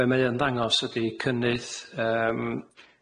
be' mae yn ddangos ydi cynnydd yym,